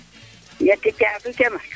ñeti caabi ke mat